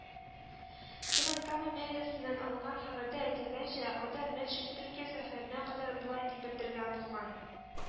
Түбән Кама мэриясеннән алынган хәбәрдә әйтелгәнчә, Айдар Метшин Төркия сәфәренә кадәр болай дип белдергән булган: